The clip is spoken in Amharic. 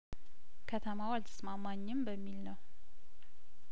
ከተማዋ አልተስማማኝም በሚል ነው